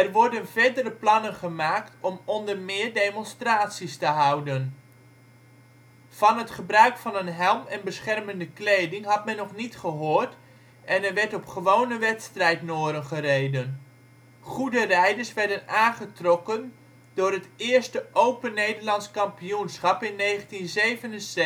worden verdere plannen gemaakt om onder meer demonstraties te houden. Van het gebruik van een helm en beschermende kleding had men nog niet gehoord en er werd op ' gewone ' wedstrijdnoren gereden. Goede rijders werden aangetrokken door het eerste Open Nederlands Kampioenschap in 1977